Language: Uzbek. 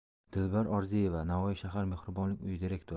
dilbar orziyeva navoiy shahar mehribonlik uyi direktori